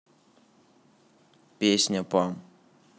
песня пам